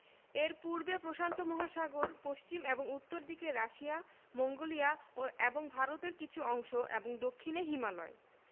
এর পূর্বে প্রশান্ত মহাসাগর পশ্চিম ও উত্তর দিকে রাশিয়া মঙ্গোলিয়া এবং ভারতের কিছু অংশ এবং দক্ষিনে হিমালয়